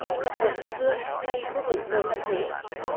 như dọc bờ sông hương hay khu vực nội thành huế